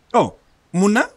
Ɔ mun na